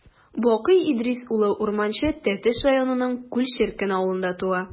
Бакый Идрис улы Урманче Тәтеш районының Күл черкен авылында туа.